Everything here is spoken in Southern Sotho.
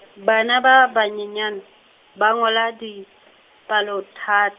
bana ba ba nyenyane, ba ngola dipalo that-.